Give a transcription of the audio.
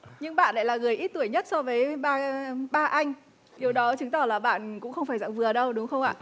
nhưng bạn lại là người ít tuổi nhất so với ba ba anh điều đó chứng tỏ là bạn cũng không phải dạng vừa đâu đúng không ạ